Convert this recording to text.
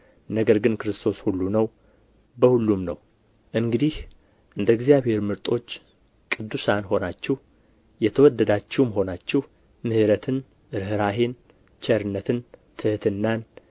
ነገር ግን ክርስቶስ ሁሉ ነው በሁሉም ነው እንግዲህ እንደ እግዚአብሔር ምርጦች ቅዱሳን ሆናችሁ የተወደዳችሁም ሆናችሁ ምሕረትን ርኅራኄን ቸርነትን ትህትናን